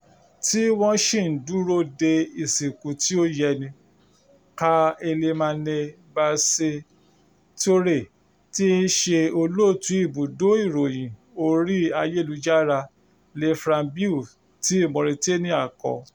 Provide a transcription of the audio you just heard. tí wọ́n ṣì ń dúró de ìsìnkú tí ó yẹni, Kaaw Elimane Bilbassi Toure tí í ṣe olóòtú ibùdó ìròyìn orí ayélujára Le Flambeau ti Mauritania kọ.